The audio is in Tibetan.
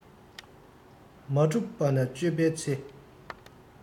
མ གྲུབ པ ན དཔྱོད པའི ཚེ